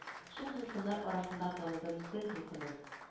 Шул дулкыннар арасында таныдым сөн дулкынын